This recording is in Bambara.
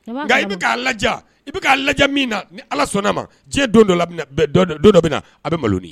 Nka i bɛ'a la i bɛ'a lajɛ min na ni ala sɔnna ma diɲɛ dɔ don dɔ na a bɛ malonin